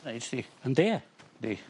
Neis 'di? On'd e? Yndi